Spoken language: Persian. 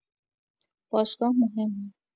باشگاه مهمه